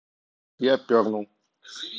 я пернул